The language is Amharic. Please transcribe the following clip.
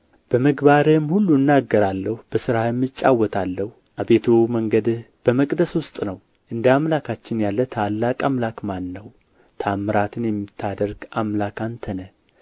በምግባርህም ሁሉ እናገራለሁ በሥራህም እጫወታለሁ አቤቱ መንገድህ በመቅደስ ውስጥ ነው እንደ አምላካችን ያለ ታላቅ አምላክ ማን ነው ተኣምራትን የምታደርግ አምላክ አንተ ነህ